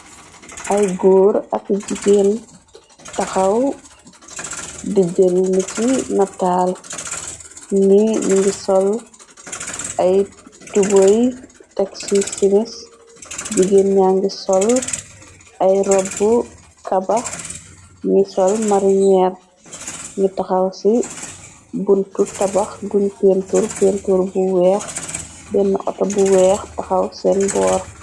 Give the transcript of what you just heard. Ay góor ak jijeen taxaw di jël nit yi di nataal ni ngi sol ay tuboy tek si simish. Jigéen ña ngi sol ay robb kabax ni sol marineer ni taxaw ci buntu tabax guñ pentur pentur bu weex bena ato bu weex taxaw seen boor.